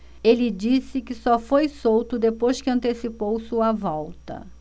ele disse que só foi solto depois que antecipou sua volta